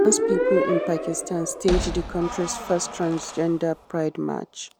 Trans people in Pakistan staged the country's first Transgender Pride march.